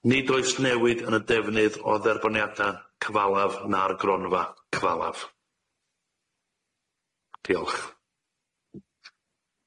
Nid oes newid yn y defnydd o dderbyniada cyfalaf na'r gronfa cyfalaf. Diolch.